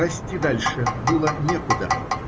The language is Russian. Расти дальше было некуда.